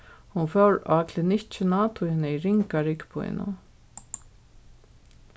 hon fór á klinikkina tí hon hevði ringa ryggpínu